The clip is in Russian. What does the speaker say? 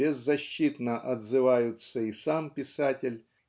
беззащитно отзываются и сам писатель